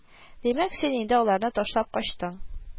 Димәк, син инде аларны ташлап качтың